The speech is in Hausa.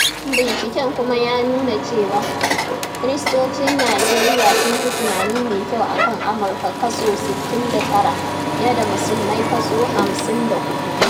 Binciken kuma ya nuna cewa, Kiristocin Nijeriya sun fi tunani mai kyau a kan Amurka (kaso 69) fiye da Musulmai (kaso 54).